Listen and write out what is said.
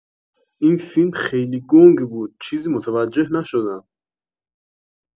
این فیلم خیلی گنگ بود چیزی متوجه نشدم